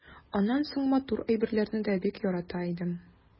Аннан соң матур әйберләрне дә бик ярата идем.